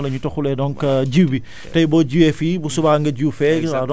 voilà naka la ñuy toxalee donc jiw bi tey boo jiwee fii bu subaa nga jiw fee